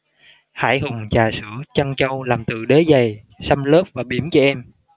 hãi hùng trà sữa trân châu làm từ đế giày săm lốp và bỉm trẻ em